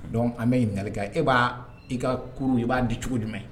Dɔn an bɛ' dali e b'a i kaurun i b'a di cogo dimɛ